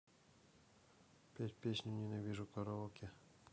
петь песню ненавижу караоке